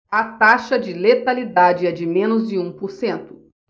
a taxa de letalidade é de menos de um por cento